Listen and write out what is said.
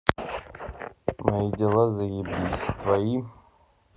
мои дела заебись твои